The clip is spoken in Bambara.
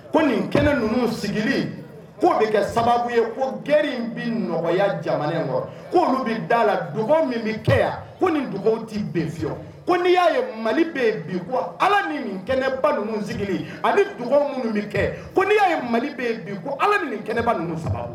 Ko nin kɛnɛ ninnu sigilen bɛ kɛ sababu ye ko grin bɛ nɔgɔyaya jamana kɔrɔolu bɛ da la min bɛ kɛ yan ko nin t'iye n'i y' ye mali bɛ ala ni nin kɛnɛba ninnu sigilen ani du ninnu bɛ kɛ koi'a ye mali bɛ ala ni nin kɛnɛba ninnu